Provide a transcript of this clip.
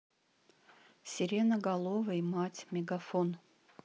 сиреноголовый мать мегафон